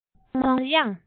ཐོག མར དབྱངས